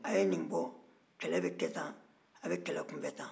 a' ye nin bɔ kɛlɛ bɛ kɛ tan a' bɛ kɛlɛ bunbɛn tan